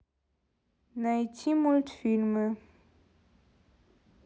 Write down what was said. найти мультфильмы